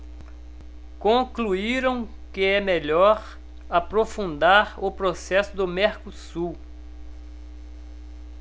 concluíram que é melhor aprofundar o processo do mercosul